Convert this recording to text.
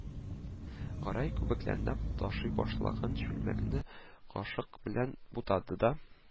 Гәрәй күбекләнеп ташый башлаган чүлмәкне кашык белән бутады да: